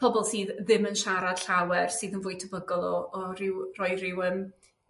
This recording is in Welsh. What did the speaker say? pobol sydd ddim yn siarad llawer sydd yn fwy tebygol o o ryw rhoi ryw yym